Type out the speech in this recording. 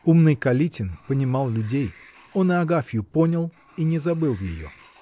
Умный Калитин понимал людей; он и Агафью понял и не забыл ее.